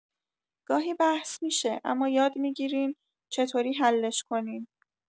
گاهی بحث می‌شه، اما یاد می‌گیرین چطوری حلش کنین.